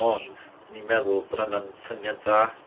Ond ni'n meddwl bod hwnna'n syniad dda.